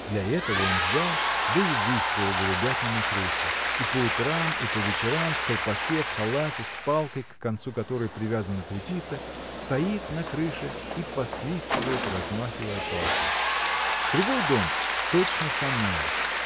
для этого он взял да и выстроил голубятню на крыше и по утрам и по вечерам в колпаке в халате с палкой к концу которой привязана тряпица стоит на крыше и посвистывает размахивая палкой. Другой дом – точно фонарь